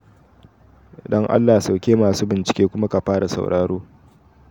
Don Allah sauke Masu bincike kuma ka fara sauraro.'